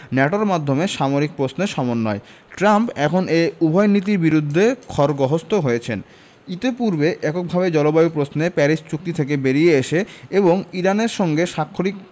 ন্যাটোর মাধ্যমে সামরিক প্রশ্নে সমন্বয় ট্রাম্প এখন এই উভয় নীতির বিরুদ্ধেই খড়গহস্ত হয়েছেন ইতিপূর্বে এককভাবে জলবায়ু প্রশ্নে প্যারিস চুক্তি থেকে বেরিয়ে এসে এবং ইরানের সঙ্গে স্বাক্ষরিত